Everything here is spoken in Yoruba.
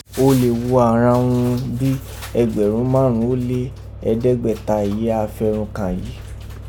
Ó lè gho àghan urun bí ẹgbẹ̀rún márùn ún ó lé ẹ̀ẹ́dẹ́gbàáta èyí a fẹ́run kàn yìí.